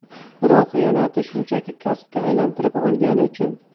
birov xiyonatni shunchaki kasbga aylantirib olgani uchun